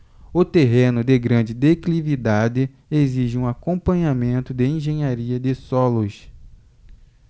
o terreno de grande declividade exige um acompanhamento de engenharia de solos